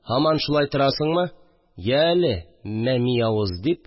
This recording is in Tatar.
«һаман шулай торасыңмы, йә әле, мәми авыз», – дип